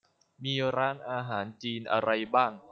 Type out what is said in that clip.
มีร้านอาหารจีนอะไรบ้าง